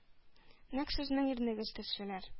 Нәкъ сезнең ирнегез төслеләр.